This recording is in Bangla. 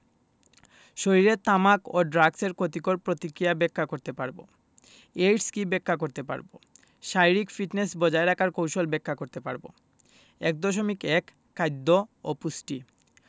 শরীরে তামাক ও ড্রাগসের ক্ষতিকর প্রতিক্রিয়া ব্যাখ্যা করতে পারব এইডস কী ব্যাখ্যা করতে পারব শারীরিক ফিটনেস বজায় রাখার কৌশল ব্যাখ্যা করতে পারব ১.১ খাদ্য ও পুষ্টি